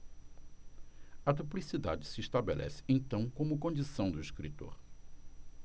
a duplicidade se estabelece então como condição do escritor